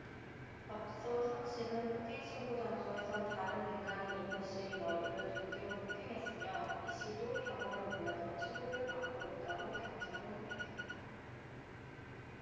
앞서 성씨는 폭행 신고 장소에서 다른 민간인 이모씨의 머리를 둔기로 폭행했으며 이씨도 병원에 옮겨져 치료를 받고 있다고 경찰은 밝혔다